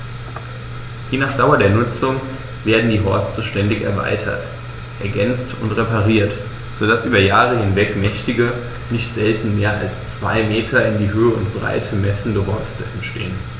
Je nach Dauer der Nutzung werden die Horste ständig erweitert, ergänzt und repariert, so dass über Jahre hinweg mächtige, nicht selten mehr als zwei Meter in Höhe und Breite messende Horste entstehen.